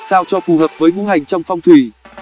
sao cho phù hợp với ngũ hành trong phong thủy